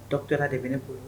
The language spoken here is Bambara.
Dɔ kɛra de bɛ ne'